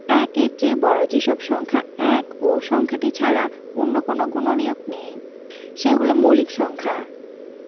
১-এর চেয়ে বড় যে সব সংখ্যা ১ ও সংখ্যাটি ছাড়া অন্য কোনো গুণনীয়ক নেই সেগুলো মৌলিক সংখ্যা